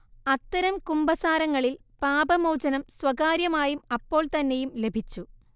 അത്തരം കുമ്പസാരങ്ങളിൽ പാപമോചനം സ്വകാര്യമായും അപ്പൊൾത്തന്നെയും ലഭിച്ചു